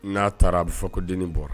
N'a taara a bɛ fɔ ko deniba bɔra